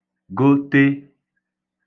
gote